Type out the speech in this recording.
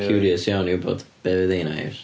yy... Curious iawn i wybod be' fydd heina i'r...